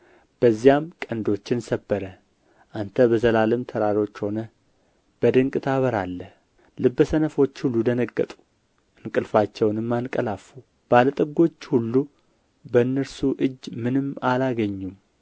በዚያም ቀንዶችን ሰበረ አንተ በዘላለም ተራሮች ሆነህ በድንቅ ታበራለህ ልበ ሰነፎች ሁሉ ደነገጡ እንቅልፋቸውንም አንቀላፉ ባለጠጎች ሁሉ በእነርሱ እጅ ምንም አላገኙም